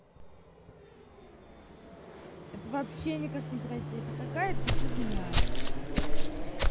это вообще никак не пройти это какая то фигня